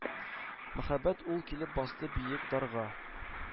Мәһабәт ул килеп басты биек «дар»га.